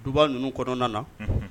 Duba ninnu kɔnɔna na unhun